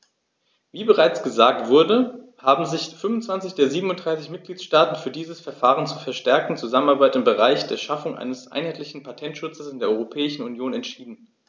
Wie bereits gesagt wurde, haben sich 25 der 27 Mitgliedstaaten für dieses Verfahren zur verstärkten Zusammenarbeit im Bereich der Schaffung eines einheitlichen Patentschutzes in der Europäischen Union entschieden.